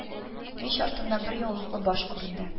Мич артыннан бер яулыклы баш күренде